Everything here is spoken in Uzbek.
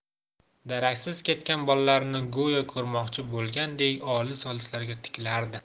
daraksiz ketgan bolalarini go'yo ko'rmoqchi bo'lgandek olis olislarga tikilardi